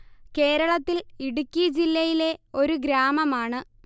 കേരളത്തിൽ ഇടുക്കി ജില്ലയിലെ ഒരു ഗ്രാമമാണ്